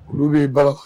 N olu b'i ba